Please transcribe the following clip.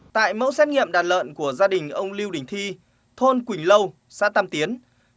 tại mẫu xét nghiệm đàn lợn của gia đình ông lưu đình thi thôn quỳnh lâu xã tam tiến